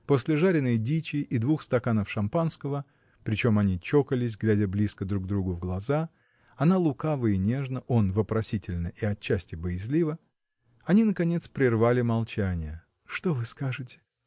После жареной дичи и двух стаканов шампанского, причем они чокались, глядя близко друг другу в глаза, она — лукаво и нежно, он — вопросительно и отчасти боязливо, они наконец прервали молчание. — Что вы скажете?